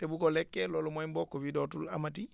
te bu ko lekkee loolu mooy mboq bi dootul amati